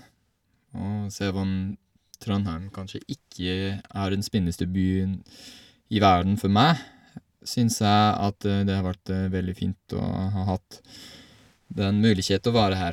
Og selv om Trondheim kanskje ikke er den spenneste byen i verden for meg, syns jeg at det har vært veldig fint å ha hatt den mulighet å være her.